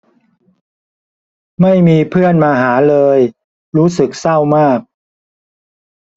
ไม่มีเพื่อนมาหาเลยรู้สึกเศร้ามาก